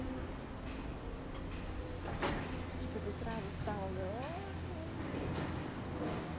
типа ты сразу стала взрослой